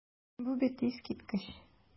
Бу бит искиткеч!